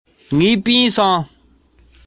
ང རང ཁྱིམ ཚང གསར པ ཞིག གི